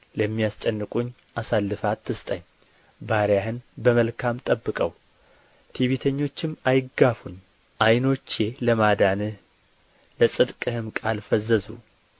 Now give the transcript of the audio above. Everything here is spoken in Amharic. ለሚያስጨንቁኝ አሳልፈህ አትስጠኝ ባሪያህን በመልካም ጠብቀው ትዕቢተኞችም አይጋፉኝ ዓይኖቼ ለማዳንህ ለጽድቅህም ቃል ፈዘዙ